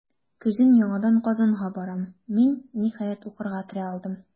Көзен яңадан Казанга баргач, мин, ниһаять, укырга керә алдым.